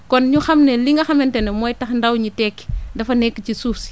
kon ñu xam ne li nga xamante ne mooy tax ndaw ñi tekki dafa nekk ci suuf